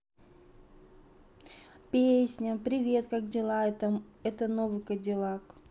песня привет как дела это новый кадиллак